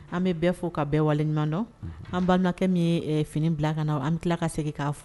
An bɛ bɛɛ fo ka bɛɛ waleɲumandɔn an balimakɛ min fini bila kana na an tila ka segin k'a fɔ